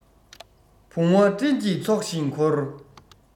བུང བ སྤྲིན གྱི ཚོགས བཞིན འཁོར